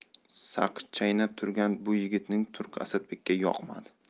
saqich chaynab turgan bu yigitning turqi asadbekka yoqmadi